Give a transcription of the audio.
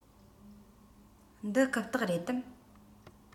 འདི རྐུབ སྟེགས རེད དམ